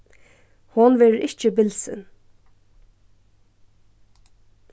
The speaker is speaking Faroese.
hon verður ikki bilsin